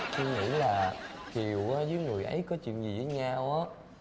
phương nghĩ là kiều á với người ấy có chuyện gì với nhau á